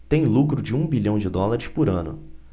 tem lucro de um bilhão de dólares por ano